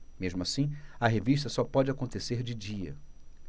mesmo assim a revista só pode acontecer de dia